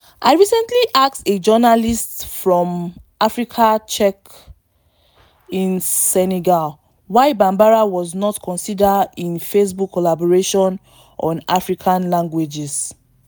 I recently asked a journalist from Africa Check in Senegal why Bambara was not considered in the Facebook collaboration on African languages.